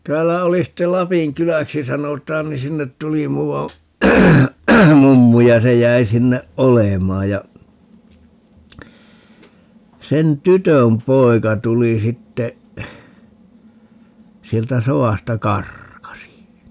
täällä oli sitten Lapin kyläksi sanotaan niin sinne tuli muuan mummu ja se jäi sinne olemaan ja sen tytön poika tuli sitten sieltä sodasta karkasi